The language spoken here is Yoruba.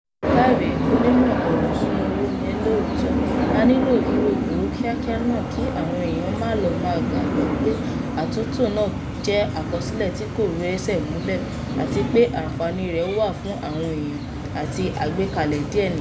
Káre, onímọ̀ ọ̀rọ̀ ìṣúná owó ni ẹ́ lóòótọ́, a nílò irú ìró kíákíá náà kí àwọn eèyàn má lọ máà gbàgbọ́ pé àtúntò nàá jẹ́ àkọsílẹ̀ tí kò rẹ́sẹ̀ múlẹ̀ àti tí àǹfààní rẹ̀ wá fún àwọn eèyàn àti àgbékalẹ̀ díẹ̀ nìkan.